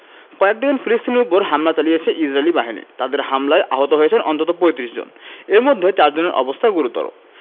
কয়েক ডজন ফিলিস্তিনির ওপর হামলা চালিয়েছে ইসরাইলি বাহিনী তাদের হামলায় আহত হয়েছেন অন্তত ৩৫ জন এর মধ্যে চার জনের অবস্থা গুরুতর